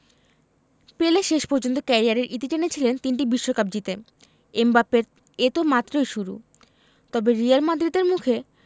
পেলে শেষ পর্যন্ত ক্যারিয়ারের ইতি টেনেছিলেন তিনটি বিশ্বকাপ জিতে এমবাপ্পের এ তো মাত্রই শুরু তবে রিয়াল মাদ্রিদের মুখে